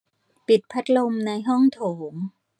ปิดพัดลมในห้องโถง